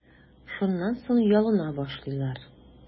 Шуннан соң ялына башлыйлар.